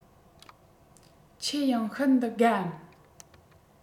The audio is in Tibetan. ཁྱེད ཡང ཤིན ཏུ དགའ འམ